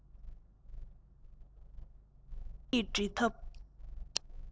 རྩོམ ཡིག འབྲི ཐབས